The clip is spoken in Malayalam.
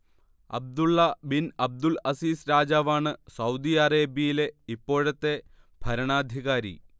അബ്ദുള്ള ബിൻ അബ്ദുൽ അസീസ് രാജാവാണ് സൗദി അറേബ്യയിലെ ഇപ്പോഴത്തെ ഭരണാധികാരി